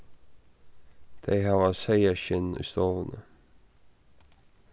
tey hava seyðaskinn í stovuni